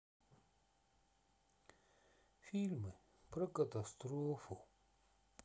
фильмы про катастрофу